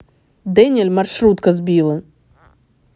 daniel маршрутка сбила